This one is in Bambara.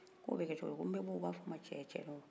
k'o bɛ kɛ cogo di n bɛ bɔ u b'a fɔ n ma cɛ cɛnin o